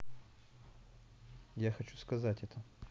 я хочу сказать что